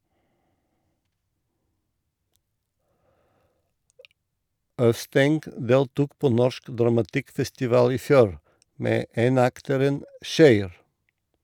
Øvsteng deltok på Norsk Dramatikkfestival i fjor, med enakteren "Køyr!".